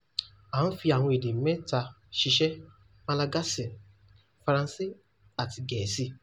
À ń fi àwọn èdè mẹ́ta ṣiṣẹ́: Malagasy, Faransé, àti Gẹ̀ẹ́sì.